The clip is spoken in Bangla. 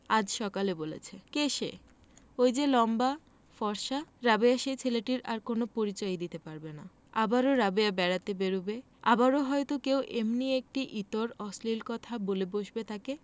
আজ সকালে বলেছে কে সে ঐ যে লম্বা ফর্সা রাবেয়া সেই ছেলেটির আর কোন পরিচয়ই দিতে পারবে না আবারও রাবেয়া বেড়াতে বেরুবে আবারো হয়তো কেউ এমনি একটি ইতর অশ্লীল কথা বলে বসবে তাকে